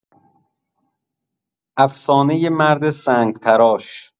افسانۀ مرد سنگ‌تراش